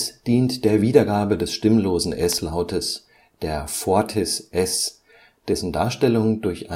dient der Wiedergabe des stimmlosen s-Lautes, der Fortis ​ [⁠s⁠] ​, dessen Darstellung durch